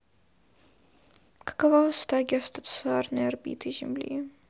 какова высота геостационарной орбиты земли